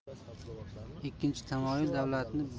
ikkinchi tamoyil davlatning